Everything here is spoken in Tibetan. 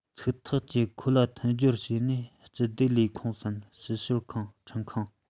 ཚིག ཐག བཅད ཁོ ལ མཐུན སྦྱོར བྱས ནས སྤྱི བདེ ལས ཁུངས སམ ཞིབ དཔྱོད ཁང ཁྲིམས ཁང